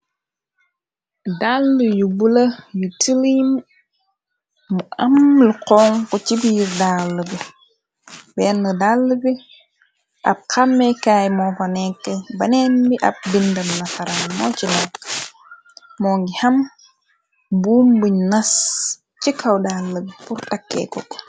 Dalle yu bula yu tiliim, mu am lu xonxo ci biir dalle bi, benn dàlle bi, ab xammekaay moofa nekke, beneen bi ab bindam nasaran moo ci nekk, moo ngi ham buum buñ nas ci kaw dalle bi pur takkeeko ko.